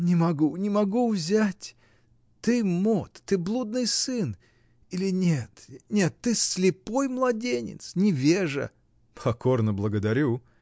Не могу, не могу взять: ты мот, ты блудный сын — или нет, нет, ты слепой младенец, невежа. — Покорно благодарю.